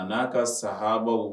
A'a ka sahaaaba